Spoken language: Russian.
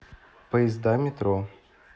поезда метро